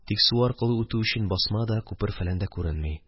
Тик су аркылы үтү өчен басма да, күпер-фәлән дә күренми